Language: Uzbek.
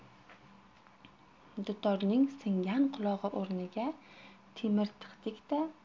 dutorning singan qulog'i o'rniga temir tiqdikda